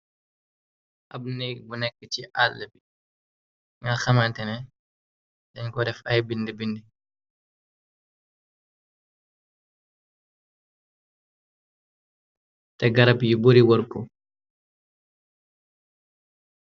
ab neeg bu nekk ci àll bi nga xamantene dañ ko def ay bind bind te garab yu buri warko